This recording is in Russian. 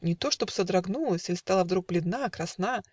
не то, чтоб содрогнулась Иль стала вдруг бледна, красна.